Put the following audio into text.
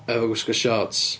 Efo gwisgo siorts.